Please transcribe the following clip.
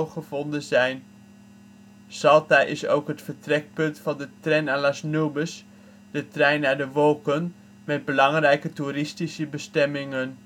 gevonden zijn. Salta is ook het vertrekpunt van de Tren a las nubes, de Trein naar de Wolken met belangrijke toeristische bestemmingen